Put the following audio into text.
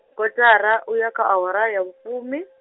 kotara u ya kha awara ya vhu fumi.